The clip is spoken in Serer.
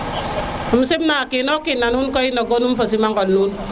um sim na nuun koy o kino kiin no gonum fo simaŋol nuun